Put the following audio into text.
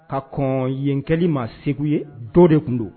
Ka kɔn yenkɛli ma segu ye dɔ de tun don